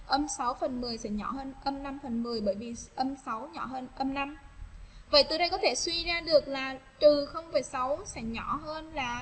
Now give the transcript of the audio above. âm nhỏ hơn phần nhỏ hơn tôi có thể suy ra được thằng nhỏ hơn là